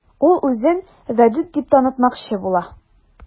Ул үзен Вәдүт дип танытмакчы була.